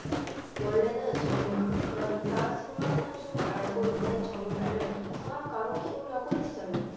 원래는 정유라 그러니까 승마 선수로 알고 있는 정유라를 성악가로 키우려고 했어요